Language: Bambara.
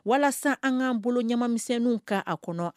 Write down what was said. Walasa an k'an bolo ɲamamisɛnninw ka a kɔnɔ